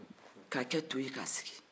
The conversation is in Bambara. ka kɛ to ye ka sigi